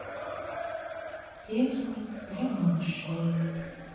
песня для малышей